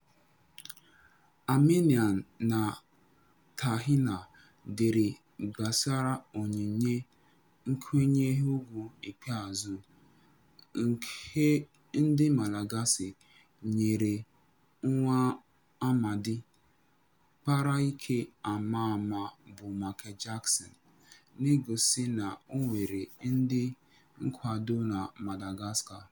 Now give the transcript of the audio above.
Arminian na Tahina dere gbasara onyinye nkwanye ùgwù ikpeazụ nke ndị Malagasy nyere nwaamadị kpara ike ama ama bụ Michael Jackson, na-egosi na o nwere ndị nkwado na Madagascar.